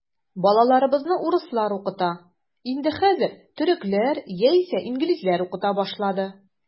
Балаларыбызны урыслар укыта, инде хәзер төрекләр яисә инглизләр укыта башлады.